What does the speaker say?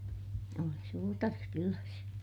oli suutari kylässä